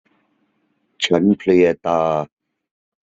ฉันเพลียตา